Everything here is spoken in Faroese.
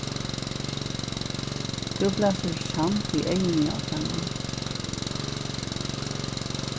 tú blæsur sand í eyguni á teimum